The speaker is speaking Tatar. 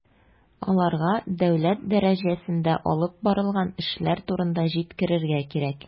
Аларга дәүләт дәрәҗәсендә алып барылган эшләр турында җиткерергә кирәк.